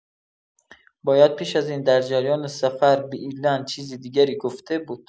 بایدن پیش از این در جریان سفر به ایرلند چیز دیگری گفته بود.